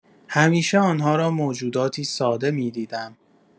همیشه آن‌ها را موجوداتی ساده می‌دیدم.